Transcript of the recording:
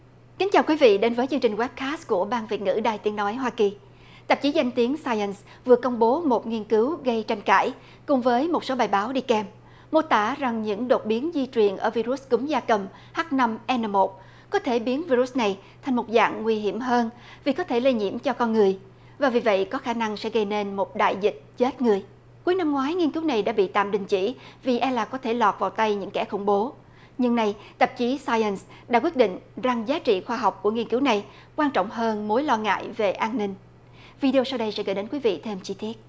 kính chào quý vị đến với chương trình goét cát của ban việt ngữ đài tiếng nói hoa kỳ tạp chí danh tiếng sai ân vừa công bố một nghiên cứu gây tranh cãi cùng với một số bài báo đi kèm mô tả rằng những đột biến di truyền ở vi rút cúm gia cầm hát năm en nờ một có thể biến vi rút này thành một dạng nguy hiểm hơn vì có thể lây nhiễm cho con người và vì vậy có khả năng sẽ gây nên một đại dịch chết người cuối năm ngoái nghiên cứu này đã bị tạm đình chỉ vì e là có thể lọt vào tay những kẻ khủng bố nhưng này tạp chí sai ân đã quyết định rằng giá trị khoa học của nghiên cứu này quan trọng hơn mối lo ngại về an ninh vi đi ô sau đây sẽ gửi đến quý vị thêm chi tiết